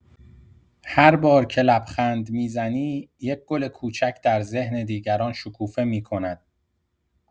هر بار که لبخند می‌زنی، یک گل کوچک در ذهن دیگران شکوفه می‌کند.